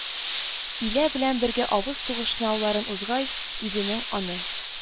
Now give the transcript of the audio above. Илә белән бергә авыр сугыш сынауларын узгач, үзенең аны